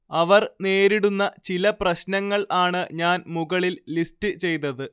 അവർ നേരിടുന്ന ചില പ്രശ്നങ്ങൾ ആണ് ഞാൻ മുകളിൽ ലിസ്റ്റ് ചെയ്തത്